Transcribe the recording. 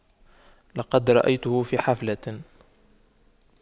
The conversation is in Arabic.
لقد رأيته في حفلة